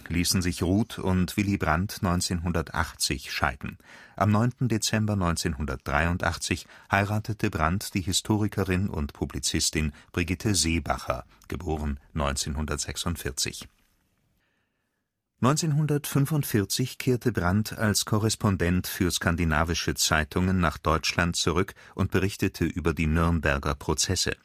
ließen sich Rut und Willy Brandt 1980 scheiden. Am 9. Dezember 1983 heiratete Brandt die Historikerin und Publizistin Brigitte Seebacher (* 1946). 1945 kehrte Brandt als Korrespondent für skandinavische Zeitungen nach Deutschland zurück und berichtete über die Nürnberger Prozesse